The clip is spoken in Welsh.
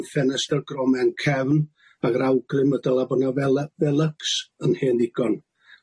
am ffenestr gromen cefn ag yr awgrym y dala bo' 'na fela- felycs yn hen ddigon.